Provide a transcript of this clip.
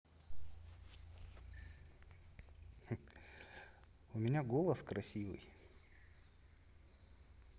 у меня голос красивый